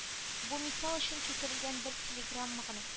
Бу мисал өчен китерелгән бер телеграмма гына